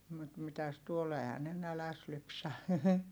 mutta mitäs tuolla eihän ne nälässä lypsä